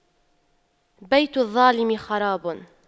بيت الظالم خراب